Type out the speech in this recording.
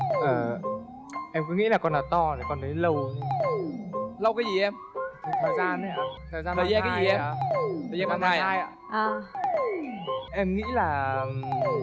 ờ em cứ nghĩ là con nào to là con đấy lâu lâu cái gì em thời gian ý ạ thời gian mang thai thời gian mang thai em nghĩ là